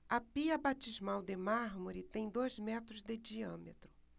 a pia batismal de mármore tem dois metros de diâmetro